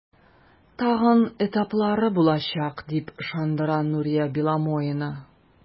Тагын этаплары булачак, дип ышандыра Нурия Беломоина.